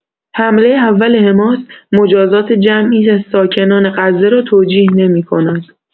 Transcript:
حمله اول حماس، مجازات جمعی ساکنان غزه را توجیه نمی‌کند.